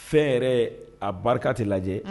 Fɛn yɛrɛ a barika tɛ lajɛ